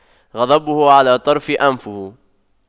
غضبه على طرف أنفه